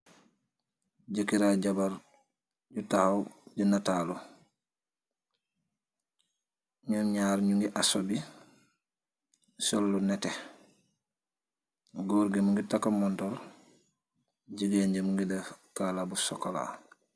Jeker ak jabar nyu tahaw nyu natalu nyum nyarr nyungi asubi mungi def kalasokola